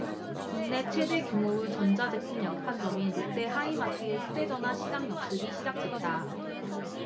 국내 최대 규모의 전자제품 양판점인 롯데하이마트의 휴대전화 시장 역습이 시작됐다